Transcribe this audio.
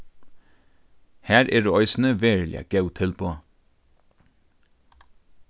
har eru eisini veruliga góð tilboð